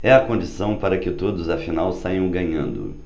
é a condição para que todos afinal saiam ganhando